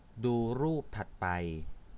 ดูรูปถัดไป